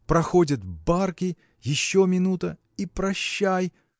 проходят барки; еще минута – и прощай!